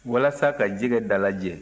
walasa ka jɛgɛ dalajɛ